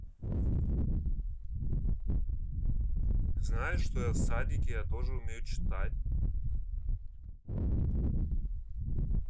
знаешь что я в садике я тоже умею читать